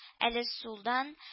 Әле сулдан